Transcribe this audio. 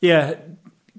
Ie.